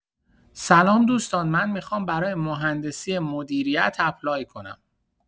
سلام دوستان من میخوام برای مهندسی مدیریت اپلای کنم.